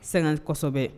Sɛgɛn kosɛbɛ